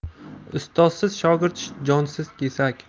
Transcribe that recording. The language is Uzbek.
ustozsiz shogird jonsiz kesak